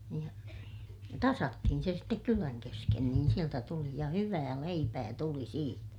niin ja tasattiin se sitten kylän kesken niin sieltä tuli ja hyvää leipää tuli siitä